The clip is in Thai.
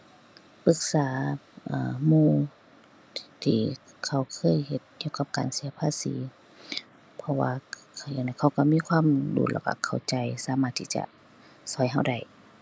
ปรึกษา เอ่อ หมู่ที่เขาเคยเฮ็ดเกี่ยวกับการเสียภาษี เพราะว่าเขาก็มีความรู้แล้วก็เข้าใจสามารถที่จะก็ก็ได้